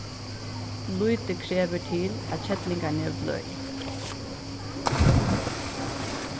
lítið krevur til at kellingarnev bløðir